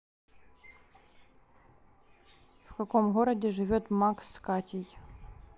в каком городе живет макс катей